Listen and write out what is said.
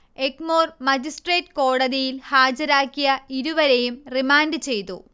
Egmore magistrate കോടതിയിൽ ഹാജരാക്കിയ ഇരുവരെയും റിമാൻഡ് ചെയ്തു